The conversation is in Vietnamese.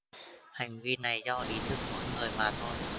hành vi này do ý thức mỗi người mà thôi